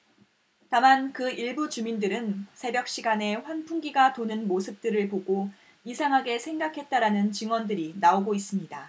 다만 그 일부 주민들은 새벽 시간에 환풍기가 도는 모습들을 보고 이상하게 생각했다라는 증언들이 나오고 있습니다